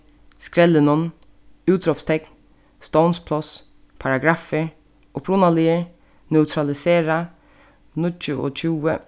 skrellinum útrópstekn stovnspláss paragraffur upprunaligur neutralisera níggjuogtjúgu